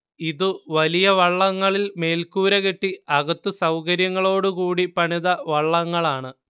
ഇത് വലിയ വള്ളങ്ങളിൽ മേൽക്കൂര കെട്ടി അകത്ത് സൗകര്യങ്ങളോട് കൂടി പണിത വള്ളങ്ങളാണ്